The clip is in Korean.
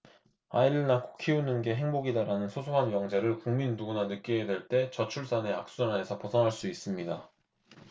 아이를 낳고 키우는 게 행복이다라는 소소한 명제를 국민 누구나 느끼게 될 때 저출산의 악순환에서 벗어날 수 있습니다